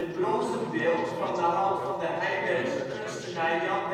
bronzen beeld, van de hand van de Eibergse kunstenaar Jan